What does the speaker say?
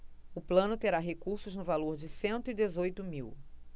o plano terá recursos no valor de cento e dezoito mil